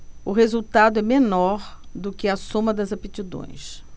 o resultado é menor do que a soma das aptidões